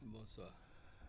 bonsoir